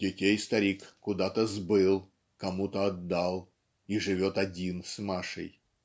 Детей старик куда-то сбыл, кому-то отдал, и живет один с Машей"